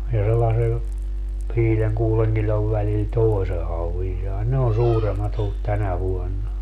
ja sellaisen viiden kuuden kilon välillä toisen hauen sai ne on suuremmat ollut tänä vuonna